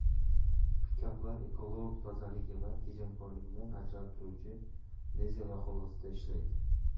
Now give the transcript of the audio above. pikaplar ekologik tozaligi va tejamkorligi bilan ajralib turuvchi dizel yoqilg'isida ishlaydi